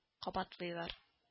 Кабатлыйлар